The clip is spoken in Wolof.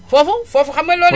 foofu foofu xam nga loolu